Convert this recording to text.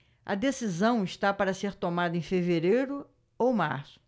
a decisão está para ser tomada em fevereiro ou março